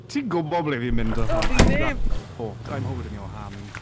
Ti'n gwybod ble fi'n mynd 'da hwn... O fi ddim... I'm holding your hand.